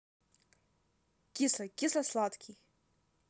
кислый кисло сладкий